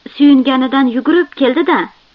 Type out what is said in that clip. suyunganidan yugurib keldi da